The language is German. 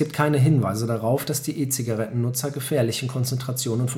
keine Hinweise darauf, dass die E-Zigarettennutzer gefährlichen Konzentrationen